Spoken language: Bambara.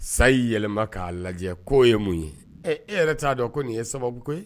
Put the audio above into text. Sa y' yɛlɛma k'a lajɛ k'o ye mun ye ɛ e yɛrɛ t'a dɔn ko nin ye sababu koyi